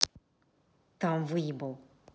там выебал